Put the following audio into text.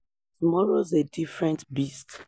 Tomorrow's a different beast.